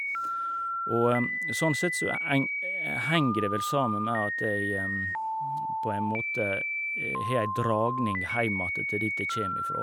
Og sånn sett så eng henger det vel sammen med at jeg på en måte har ei dragning heimat til dit jeg kjem ifra.